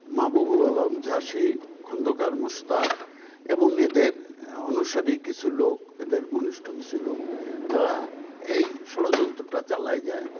মাহবুবুল আলম চাষী খন্দকার মোশতাক এবং এদের অনুসারী কিছু লোক এদের ঘনিষ্ঠ কিছু লোক তারা এই ষড়যন্ত্র টা চালায় যায়